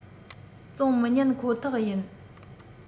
བཙོང མི ཉན ཁོ ཐག ཡིན